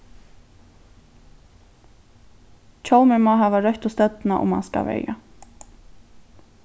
hjálmurin má hava røttu støddina um hann skal verja